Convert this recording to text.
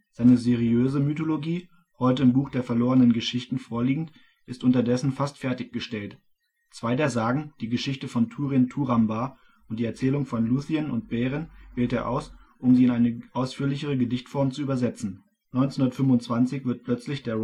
Seine » seriöse « Mythologie, heute im Buch der verlorenen Geschichten vorliegend, ist unterdessen fast fertiggestellt. Zwei der Sagen, die Geschichte von Turin Turambar und die Erzählung von Lúthien und Beren wählt er aus, um sie in eine ausführlichere Gedichtform zu übersetzen. 1925 wird plötzlich der